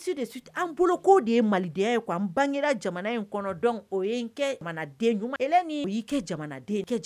An bolo ko de ye mali denya ye quoi n bangera jamana in kɔnɔ donc o ye kɛ Hélène o y'i kɛ jamanaden, kɛ